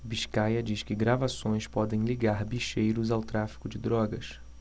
biscaia diz que gravações podem ligar bicheiros ao tráfico de drogas